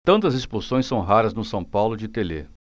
tantas expulsões são raras no são paulo de telê